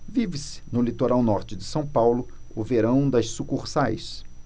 vive-se no litoral norte de são paulo o verão das sucursais